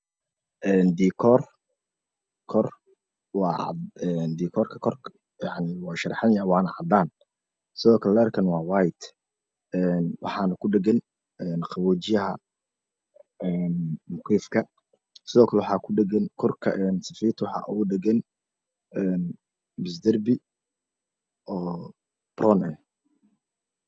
Een diikoor kor waa dikoorka korka yacni wuu sharaxanyaahay waana cadaan sidoo kale layrkana waa white een waxaana ku dhagan ee qaboojiyaha een mukeyfka sidoo kale waxaa ku dhagan korka een safiito waxaa ooga dhagan een nus darbi oo brown ah